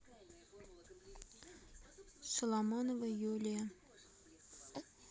соломонова юлия